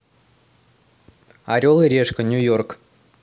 орел и решка нью йорк